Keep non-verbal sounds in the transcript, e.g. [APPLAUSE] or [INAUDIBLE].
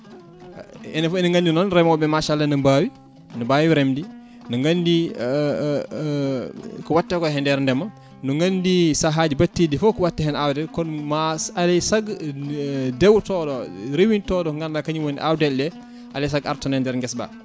enen foof enen gandi noon remoɓe machallah ne mbawi ne mbawi remde ne gandi [HESITATION] ko watte ko hen nder ndeema ne gandi saahaji mbatteɗi foof ko watte hen awde kono ma alay saago [HESITATION] dewotoɗo o rewintoɗo ganduɗa kañum woni awɗele ɗe aly saago artan e nder guesa guesa ba